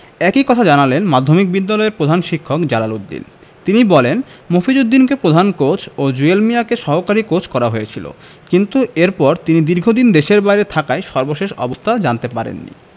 একই কথা জানালেন মাধ্যমিক বিদ্যালয়ের প্রধান শিক্ষক জালাল উদ্দিন তিনি বলেন মফিজ উদ্দিনকে প্রধান কোচ ও জুয়েল মিয়াকে সহকারী কোচ করা হয়েছিল কিন্তু এরপর তিনি দীর্ঘদিন দেশের বাইরে থাকায় সর্বশেষ অবস্থা জানতে পারেননি